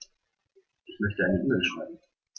Ich möchte eine E-Mail schreiben.